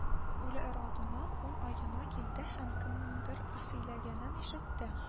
Үләр алдыннан ул аена килде һәм кемнеңдер сөйләнгәнен ишетте: